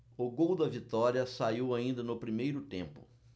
o gol da vitória saiu ainda no primeiro tempo